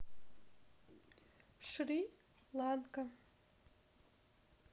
шри ланка